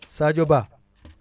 Sadio Ba